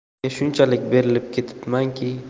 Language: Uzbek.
ishga shunchalik berilib ketibmanki